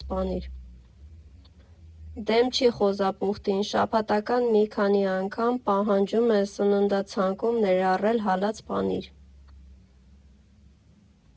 Դեմ չի խոզապուխտին, շաբաթական մի քանի անգամ պահանջում է սննդացանկում ներառել հալած պանիր։